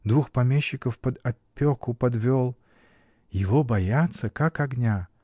Двух помещиков под опеку подвел. Его боятся как огня.